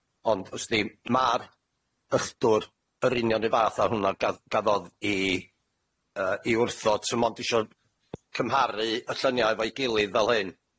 Ond w's di ma'r ychdwr yr union run fath â hwn'na gath- gafodd 'i yy 'i wrthod, t' mond isio cymharu y llyniau efo'i gilydd fel hyn,